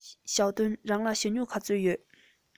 ཞའོ ཧུང རང ལ ཞྭ སྨྱུག ག ཚོད ཡོད